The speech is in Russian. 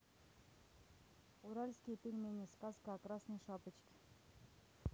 уральские пельмени сказка о красной шапочке